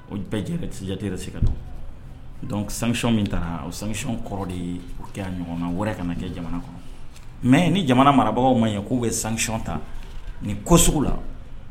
O bɛɛ yɛrɛ tɛ se ka don. Donc sanction min taara o sanction kɔrɔ de ye, ka ɲɔgɔnna wɛrɛ kana kɛ jamana kɔnɔ. Mais ni jamana marabagaw maɲɛ k'u bɛ sanction ta, ni ko sugu la